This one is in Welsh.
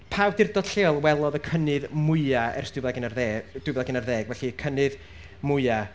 Pa awdurdod lleol welodd y cynnydd mwya ers dwy fil ac unarddeg? Felly, cynnydd mwya.